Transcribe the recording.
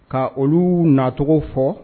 Ka oluu natogo fɔ